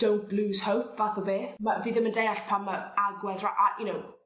don#t lose hope fath o beth ma' fi ddim yn deall pan ma' agwedd ra- a you know